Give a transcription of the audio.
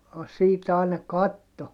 siitä aina katsoi